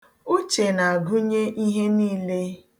Uche na-agụnye ihe niile.